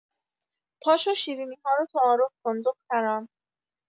پاشو شیرینی‌ها رو تعارف کن دخترم.